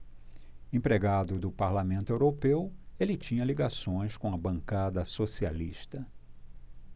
empregado do parlamento europeu ele tinha ligações com a bancada socialista